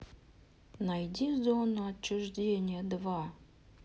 найди зону отчуждения два